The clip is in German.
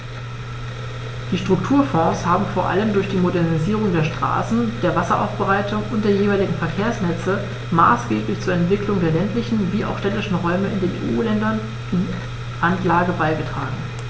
Die Strukturfonds haben vor allem durch die Modernisierung der Straßen, der Wasseraufbereitung und der jeweiligen Verkehrsnetze maßgeblich zur Entwicklung der ländlichen wie auch städtischen Räume in den EU-Ländern in Randlage beigetragen.